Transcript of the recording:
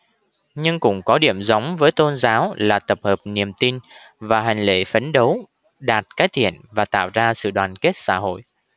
nhưng cũng có điểm giống với tôn giáo là tập hợp niềm tin và hành lễ phấn đấu đạt cái thiện và tạo ra sự đoàn kết xã hội